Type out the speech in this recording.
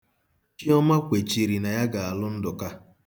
Chiọma kwechiri na ya ga-alụ Ndụka.